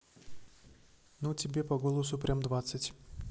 ну тебе по голосу прям двадцать